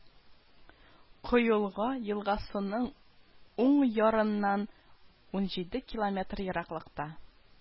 Коелга елгасының уң ярыннан ун җиде километр ераклыкта